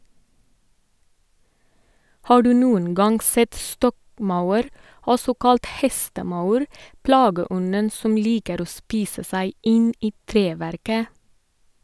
Har du noen gang sett stokkmaur, også kalt hestemaur, plageånden som liker å spise seg inn i treverket?